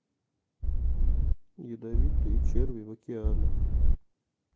ядовитые черви в океанах